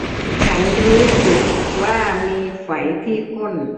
ฉันรู้สึกว่ามีไฝที่ก้น